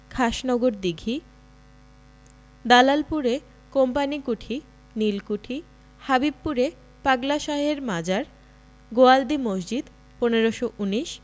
খাসনগর দিঘি দালালপুরে কোম্পানি কুঠি নীল কুঠি হাবিবপুরে পাগলা শাহের মাজার গোয়ালদি মসজিদ ১৫১৯